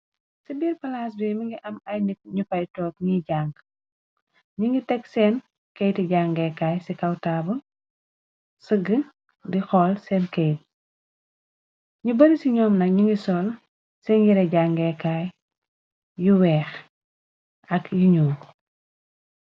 ci biir palaas bi mi ngi am ay nit ñu pay took niy jàng ñi ngi teg seen keyti jangeekaay ci kaw taaba sëgg di xool seen keyt ñu bari ci ñoom na ñu ngi sol seen yire jangeekaay yu weex ak yi ñu